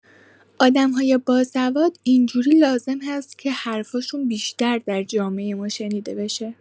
آدم‌های باسواد اینجوری لازم هست که حرف‌هاشون بیشتر در جامعه ما شنیده بشه.